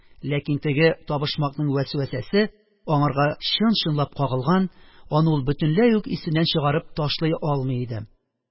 Ләкин теге «табышмак»ның вәсвәсәсе аңарга чын-чынлап кагылган, аны ул бөтенләй үк исеннән чыгарып ташлый алмый иде.